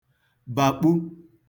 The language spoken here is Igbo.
bàkpu